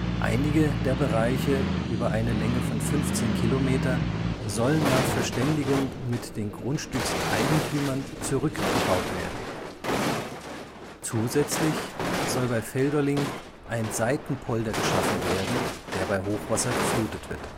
Einige Bereiche der Deiche (15 km) sollen nach Verständigung mit den Grundstückseigentümern zurückgebaut werden. Zusätzlich soll bei Feldolling ein Seitenpolder geschaffen werden, der bei Hochwasser geflutet wird